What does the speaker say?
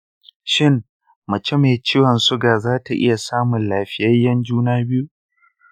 shin mace mai ciwon suga za ta iya samun lafiyayyen juna biyu?